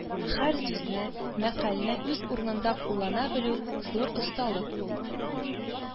Һәр сүзне, мәкальне үз урынында куллана белү – зур осталык ул